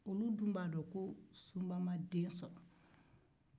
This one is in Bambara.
olu dun b'a dɔn ko sunba ma den sɔrɔ